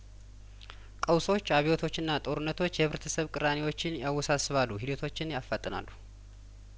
ቀውሶች አብዮቶችና ጦርነቶች የህብረተሰብ ቅራኔዎችን ያወሳ ስባሉ ሂደቶችን ያፋጥናሉ